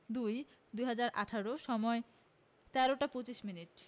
২ ২০১৮ সময়ঃ ১৩টা ২৫ মিনিট